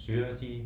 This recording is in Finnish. syötiin